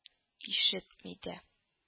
Ишетми дә